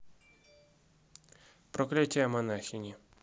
проклятие монахини